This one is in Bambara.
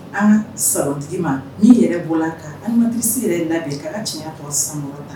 An saratigi ma nii yɛrɛ bɔra a ka alisi yɛrɛ labɛn k' tiɲɛ santa